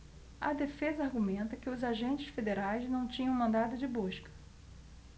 a defesa argumenta que os agentes federais não tinham mandado de busca